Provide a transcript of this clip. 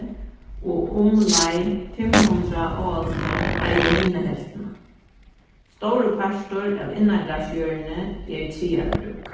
og umleið fimm hundrað óðalsmenn eiga hina helvtina stórur partur av innangarðsjørðini er traðarbrúk